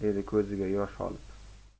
dedi ko'ziga yosh olib